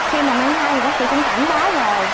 khi mà mang thai thì bác sĩ cũng cảnh báo rồi